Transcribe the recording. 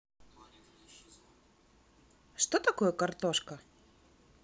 что такое картошка